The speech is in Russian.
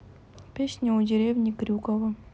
песня у деревни крюково